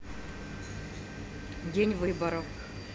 день выборов